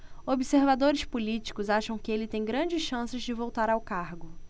observadores políticos acham que ele tem grandes chances de voltar ao cargo